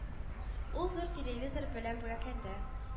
Ул зур телевизор белән бүләкләнде